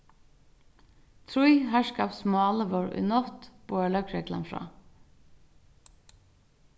trý harðskapsmál vóru í nátt boðar løgreglan frá